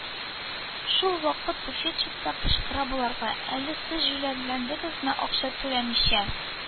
Шул вакыт буфетчица кычкыра боларга: «Әллә сез җүләрләндегезме, акча түләмичә